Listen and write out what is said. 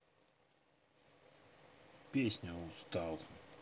песня устал